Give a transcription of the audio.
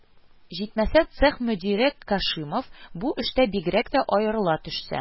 Җитмәсә, цех мөдире Кашимов бу эштә бигрәк тә аерыла төшсә